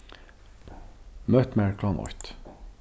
møt mær klokkan eitt